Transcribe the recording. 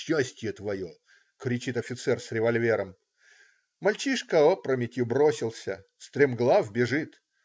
Счастье твое!" - кричит офицер с револьвером. Мальчишка опрометью бросился. Стремглав бежит.